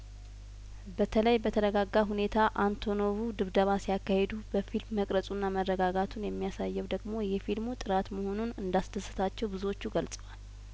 በተለይ በተረጋጋ ሁኔታ አንቶኖቩ ድብደባ ሲያካሂዱ በፊልም መቅረጹና መረጋጋቱን የሚያሳየው ደግሞ የፊልሙ ጥራት መሆኑን እንዳስደሰታቸው ብዙዎቹ ገልጸዋል